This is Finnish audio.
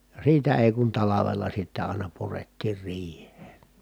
ja siitä ei kun talvella sitten aina purettiin riiheen